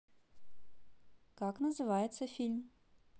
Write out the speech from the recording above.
как называется фильм